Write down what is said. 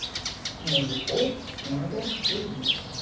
мужиков надо любить